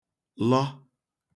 lọ